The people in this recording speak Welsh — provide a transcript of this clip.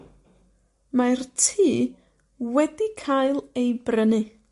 Mae'r tŷ wedi cael ei brynu.